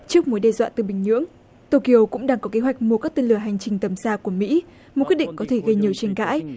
trước mối đe dọa từ bình nhưỡng tô ki ô cũng đang có kế hoạch mua các tên lửa hành trình tầm xa của mỹ một quyết định có thể gây nhiều tranh cãi